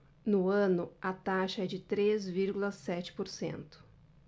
no ano a taxa é de três vírgula sete por cento